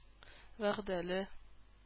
Вәгъдәле